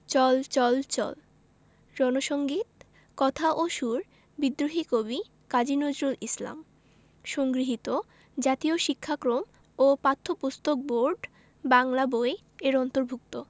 চল চল চল রন সঙ্গীত কথা ও সুর বিদ্রোহী কবি কাজী নজরুল ইসলাম সংগৃহীত জাতীয় শিক্ষাক্রম ও পাঠ্যপুস্তক বোর্ড বাংলা বই এর অন্তর্ভুক্ত